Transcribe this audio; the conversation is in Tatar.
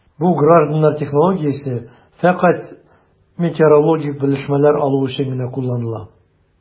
Бу гражданнар технологиясе фәкать метеорологик белешмәләр алу өчен генә кулланыла...